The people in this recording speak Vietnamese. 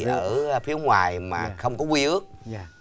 ở phía ngoài mà không có quy ước